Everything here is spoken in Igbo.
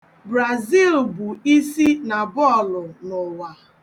Brazịl bụ isi na bọọlụ n'ụwa.